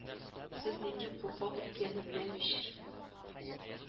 Сез нинди куркак икәнне беләм ич